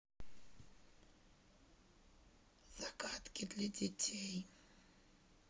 загадки для детей